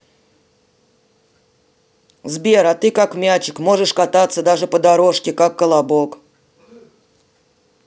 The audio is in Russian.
сбер а ты как мячик можешь кататься даже по дорожке как колобок